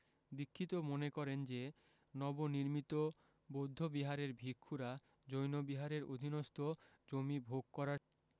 দীক্ষিত মনে করেন যে নব নির্মিত বৌদ্ধ বিহারের ভিক্ষুরা জৈন বিহারের অধীনস্থ জমি ভোগ করার